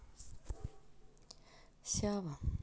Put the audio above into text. сява